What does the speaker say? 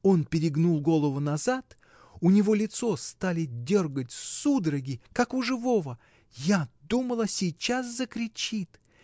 Он перегнул голову назад, у него лицо стали дергать судороги, как у живого, я думала, сейчас закричит!